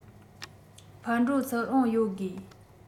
ཕར འགྲོ ཚུར འོང ཡོད དགོས